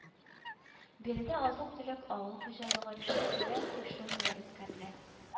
Биредә азык-төлек авыл хуҗалыгы өлкәсендә тикшеренүләр үткәрелә